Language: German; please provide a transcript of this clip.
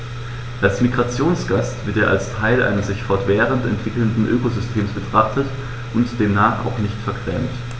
Als Migrationsgast wird er als Teil eines sich fortwährend entwickelnden Ökosystems betrachtet und demnach auch nicht vergrämt.